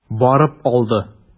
Барып алды.